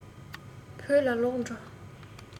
བོད ལ ལོག འགྲོ